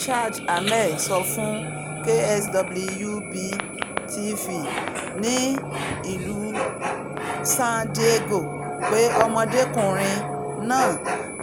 Chad Hammel sọ fún KSWB-TV ní ìlú San Diego pé ọmọdé kὺnrin náà́